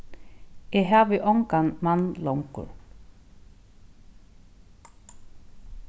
eg havi ongan mann longur